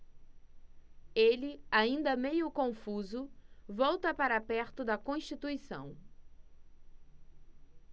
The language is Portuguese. ele ainda meio confuso volta para perto de constituição